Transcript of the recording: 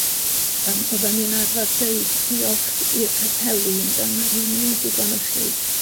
Yym oeddan ni'n arfer deud diolch i'r capeli ynde, ma' rheini wedi gwanychu